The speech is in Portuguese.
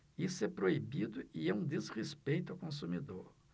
isso é proibido e é um desrespeito ao consumidor